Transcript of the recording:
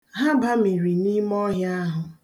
Ha bamiri n'ime ọhịa ahụ.